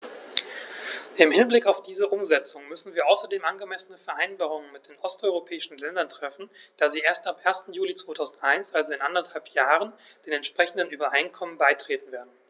Im Hinblick auf diese Umsetzung müssen wir außerdem angemessene Vereinbarungen mit den osteuropäischen Ländern treffen, da sie erst ab 1. Juli 2001, also in anderthalb Jahren, den entsprechenden Übereinkommen beitreten werden.